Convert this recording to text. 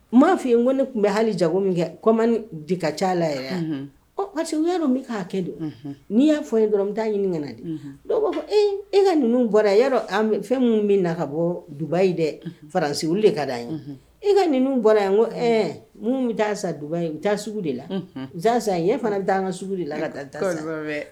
M' f yen ko ne tun bɛ hali jago min kɛ ko ma bi ka ca la yɛrɛ o y'a dɔn n bɛ'a kɛ don n'i y'a fɔ ne dɔrɔn n bɛ taa ɲini ka na di dɔw b'a fɔ e ka ninnu bɔra e' fɛn minnu bɛ na ka bɔ duba in dɛ fararansi de ka da ye e ka ninnu bɔra yan ko ɛɛ minnu bɛ taa sa taa sugu de la jaasa ɲɛ fana d' an ka sugu de la ka taa da